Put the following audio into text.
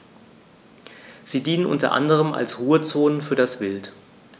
Sie dienen unter anderem als Ruhezonen für das Wild.